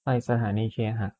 ไปสถานีเคหะ